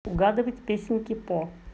угадывать песенки по